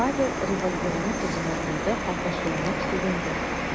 Павел револьверны тезенә куйды һәм ачуланып сүгенде .